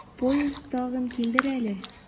Поезд тагын килер әле.